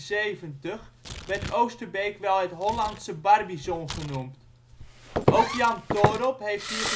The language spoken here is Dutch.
1860 en 1870 werd Oosterbeek wel het Hollandse Barbizon genoemd. Ook Jan Toorop heeft hier